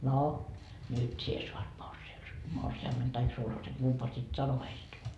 no nyt sinä saat - morsiamen tai sulhasen kumpaa sitten sanoi heistä